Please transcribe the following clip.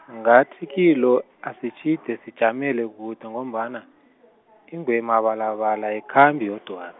ngathi kilo, asitjhide sijamele kude ngombana ingwemabala bala ayikhambi yodwan-.